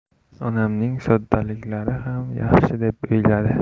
onamning soddaliklari xam yaxshi deb uyladi